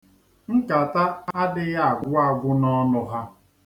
Nkata adịghị agwụ agwụ n'ọnụ ha.